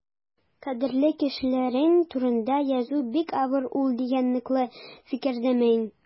Кадерле кешеләрең турында язу бик авыр ул дигән ныклы фикердәмен.